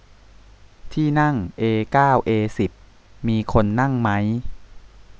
ที่นั่งเอเก้าเอสิบมีคนนั่งมั้ย